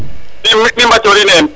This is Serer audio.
mi Mbatiori ne em